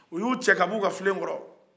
u y'u cɛ ka bɔ u ka filen kɔrɔ